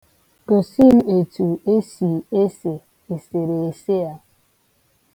Gosi m etu esi ese esereese a.